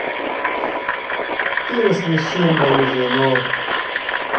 ты рассмешила мою жену